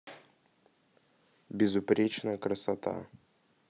безупречная красота